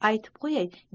aytib qo'yay